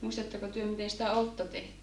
muistatteko te miten sitä olutta tehtiin